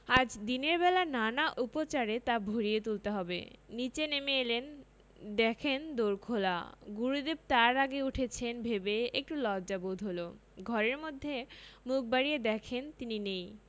আজ দিনের বেলা নানা উপচারে তা ভরিয়ে তুলতে হবে নীচে নেমে এলেন দেখেন দোর খোলা গুরুদেব তাঁর আগে উঠেছেন ভেবে একটু লজ্জা বোধ হলো ঘরের মধ্যে মুখ বাড়িয়ে দেখেন তিনি নেই